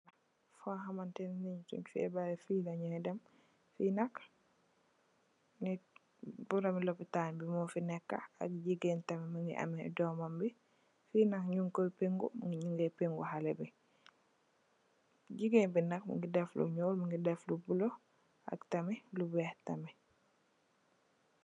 Fo xamteni nit ñi siin fèbarr réé fi la ñee dem. Fi nak boromi lopitan bi mo fii nekka ay jigeen tamid mugii ameh doom mam bi. Ki nak ñing ko pengu, ñi ngee pengu xalèh bi. Jigeen bi nak mugii dèf lu ñuul mugii def lu bula ak tamit lu wèèx tamit.